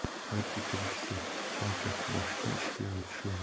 qayd etilishicha chayka boshqa ishga o'tishi